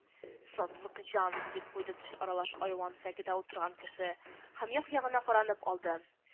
—сатлык җан,—дип куйды теш аралаш айван-сәкедә утырган кеше һәм як-ягына каранып алды